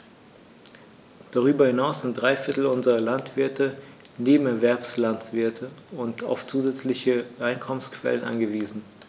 Darüber hinaus sind drei Viertel unserer Landwirte Nebenerwerbslandwirte und auf zusätzliche Einkommensquellen angewiesen.